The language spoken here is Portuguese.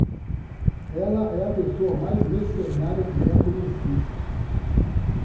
ela é a pessoa mais mercenária que já conheci